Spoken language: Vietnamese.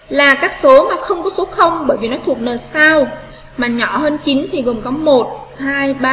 là các số mà không có số bởi vì nó thuộc là sao mà nhỏ hơn thì gồm có